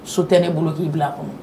So tɛ ne bolo k'i bila a kɔnɔ